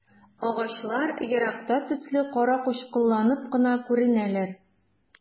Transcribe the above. Агачлар еракта төсле каракучкылланып кына күренәләр.